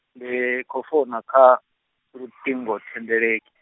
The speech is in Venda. ndi kho founa kha, luṱingo thendeleki.